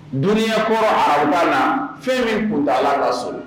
Dunuya kɔrɔ arabukan na fɛn min kun tala ka surun